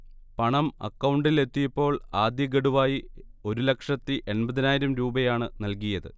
പണം അക്കൗണ്ടിൽ എത്തിയപ്പോൾ ആദ്യ ഖഡുവായി ഒരു ലക്ഷത്തി എൺപതിനായിരം രൂപയാണ് നൽകിയത്